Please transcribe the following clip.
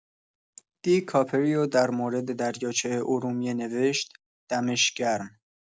دی‌کاپریو در مورد دریاچه ارومیه نوشت، دمش گرم.